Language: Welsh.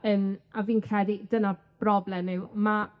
Yym a fi'n credu dyna'r broblem yw ma'